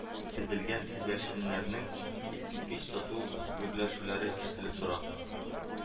Тезелгән күгәрченнәрнең искиткеч тату гөрләшүләре ишетелеп тора